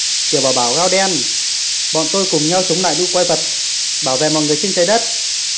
tiểu bảo bảo gao đen bọn tôi cùng nhau chống lại lũ quái vật bảo vệ mọi người trên trái đất